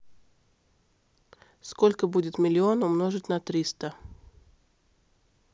сколько будет миллион умножить на триста